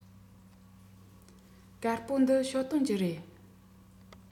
དཀར པོ འདི ཞའོ ཏོན གྱི རེད